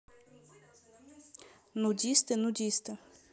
нудисты нудисты